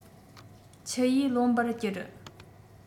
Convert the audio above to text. ཆུ ཡིས བློན པ གྱུར